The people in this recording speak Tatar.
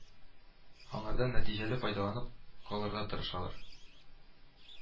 Аңардан нәтиҗәле файдаланып калырга тырышалар